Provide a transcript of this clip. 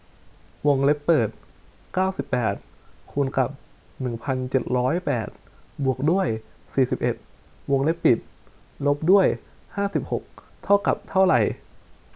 วงเล็บเปิดเก้าสิบแปดคูณกับหนึ่งพันเจ็ดร้อยแปดบวกด้วยสี่สิบเอ็ดวงเล็บปิดลบด้วยห้าสิบหกเท่ากับเท่าไหร่